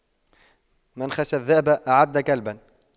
من خشى الذئب أعد كلبا